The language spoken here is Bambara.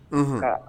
Unhun